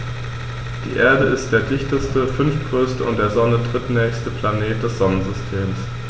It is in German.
Die Erde ist der dichteste, fünftgrößte und der Sonne drittnächste Planet des Sonnensystems.